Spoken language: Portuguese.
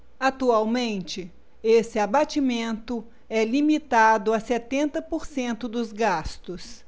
atualmente esse abatimento é limitado a setenta por cento dos gastos